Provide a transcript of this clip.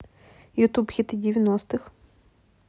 ютуб хиты девяностых